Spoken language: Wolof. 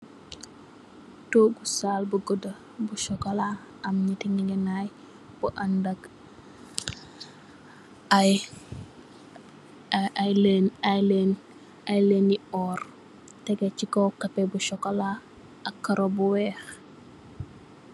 Togu sal bu gudd, bu sokola, am nyatti ngegenaay, bu andag ay, ay len, ay lenni oor, tege si kaw kappe bu sokola ak karo yu weex .